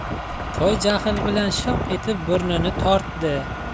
toy jahl bilan shilq etib burnini tortadi